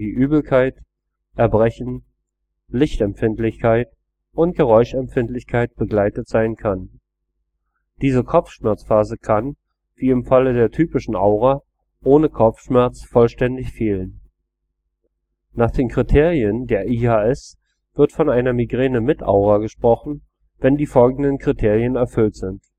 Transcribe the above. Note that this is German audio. wie Übelkeit, Erbrechen, Lichtempfindlichkeit und Geräuschempfindlichkeit begleitet sein kann. Diese Kopfschmerzphase kann, wie im Falle der typischen Aura ohne Kopfschmerz, vollständig fehlen. Nach den Kriterien der IHS wird von einer Migräne mit Aura gesprochen, wenn die folgenden Kriterien erfüllt sind